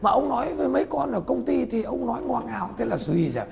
và ông nói với mấy con ở công ty thì ông nói ngọt ngào thế là suy ra